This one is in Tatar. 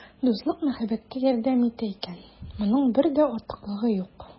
Дуслык мәхәббәткә ярдәм итә икән, моның бер дә артыклыгы юк.